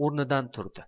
o'rnidan turdi